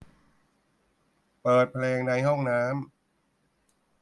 เปิดเพลงในห้องน้ำ